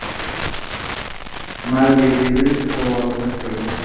mayli dedi ovozi pasayib